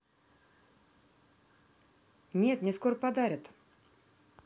нет мне скоро подарят